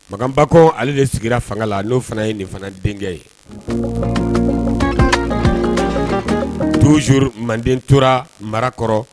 Makan ale de sigira fanga la n'o fana ye nin fana denkɛ ye tuzur manden tora marakɔrɔ